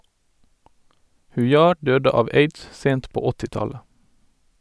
Hujar døde av aids sent på 80-tallet.